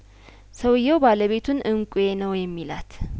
ሰውዬው ባለቤቱን እንቋ ነው የሚላት